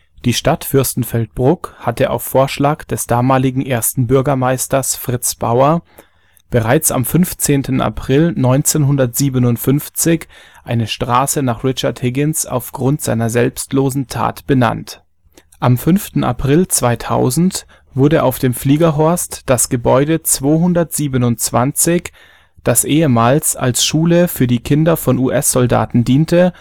Die Stadt Fürstenfeldbruck hatte auf Vorschlag des damaligen 1. Bürgermeisters Fritz Bauer bereits am 15. April 1957 eine Straße nach Richard Higgins aufgrund seiner selbstlosen Tat benannt. Am 5. April 2000 wurde auf dem Fliegerhorst das Gebäude 227, das ehemals als Schule für die Kinder von US-Soldaten diente